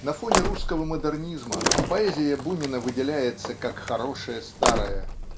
На фоне русского модернизма поэзия Бунина выделяется как хорошее старое.